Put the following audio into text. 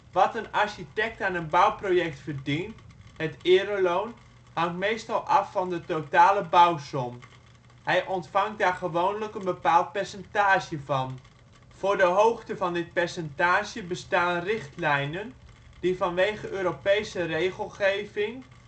Wat een architect aan een bouwproject verdient, het ereloon, hangt meestal af van de totale bouwsom. Hij ontvangt daar gewoonlijk een bepaald percentage van. Voor de hoogte van dit percentage bestaan richtlijnen, die vanwege Europese Regelgeving